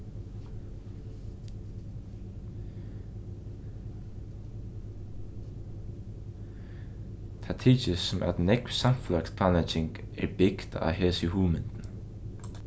tað tykist sum at nógv samfelagsplanlegging er bygd á hesi hugmyndini